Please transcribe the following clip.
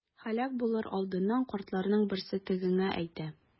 Һәлак булыр алдыннан картларның берсе тегеңә әйтә.